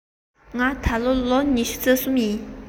ང ད ལོ ལོ ཉི ཤུ རྩ གསུམ ཡིན